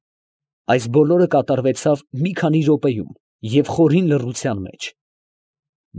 Այս բոլորը կատարվեցավ մի քանի րոպեում և խորին լռության մեջ։